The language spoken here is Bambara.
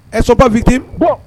Ɛsɔba fit